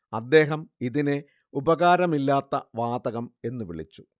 അദ്ദേഹം ഇതിനെ ഉപകാരമില്ലാത്ത വാതകം എന്നു വിളിച്ചു